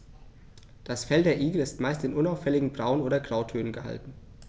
Das Fell der Igel ist meist in unauffälligen Braun- oder Grautönen gehalten.